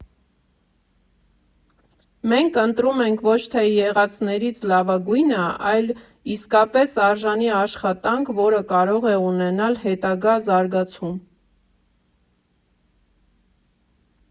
Մենք ընտրում ենք ոչ թե եղածներից լավագույնը, այլ իսկապես արժանի աշխատանք, որը կարող է ունենալ հետագա զարգացում։